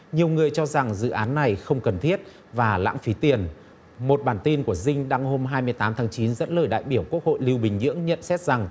nhiều người cho rằng dự án này không cần thiết và lãng phí tiền một bản tin của dinh đăng hôm hai mươi tám tháng chín dẫn lời đại biểu quốc hội lưu bình nhưỡng nhận xét rằng